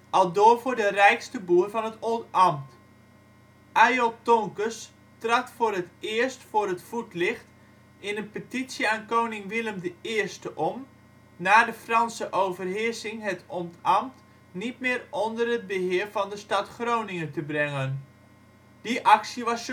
al door voor de rijkste boer van het Oldambt. Ayolt Tonkes trad voor het eerst voor het voetlicht in een petitie aan koning Willem I om, na de Franse overheersing het Oldambt niet meer onder het beheer van de Stad Groningen te brengen. Die actie was succesvol